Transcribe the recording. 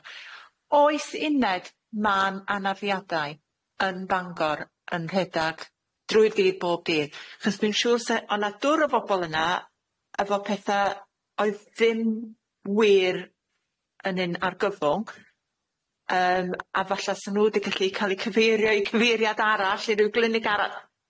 Oes uned man anafiadau yn Bangor yn rhedad drwy'r dydd, bob dydd 'chos dwi'n siŵr se o' 'na dwr o bobol yna efo petha oedd ddim wir yn unun argyfwng yym a falla sa nw 'di gallu ca'l 'u cyfeirio i gyfeiriad arall i ryw glinig arall.